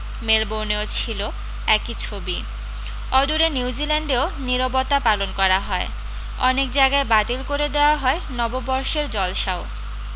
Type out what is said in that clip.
মেলবোর্নেও ছিল একি ছবি অদূরে নিউজিল্যান্ডেও নীরবতা পালন করা হয় অনেক জায়গায় বাতিল করে দেওয়া হয় নববর্ষের জলসাও